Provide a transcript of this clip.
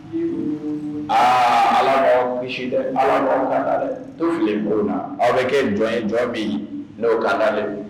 Aa ala dɛ dɛ ko aw bɛ kɛ jɔn ye jɔn min n'o kalen